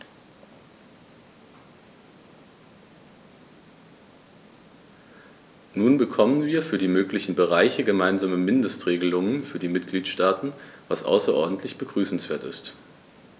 Nun bekommen wir für alle möglichen Bereiche gemeinsame Mindestregelungen für die Mitgliedstaaten, was außerordentlich begrüßenswert ist.